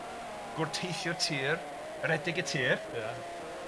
Gwrteithio tir. Aredig y tir. Ia.